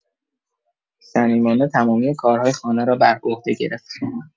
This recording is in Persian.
صمیمانه تمامی کارهای خانه را بر عهده گرفت.